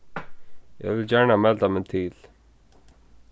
eg vil gjarna melda meg til